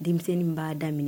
Denmisɛnnin b'a daminɛ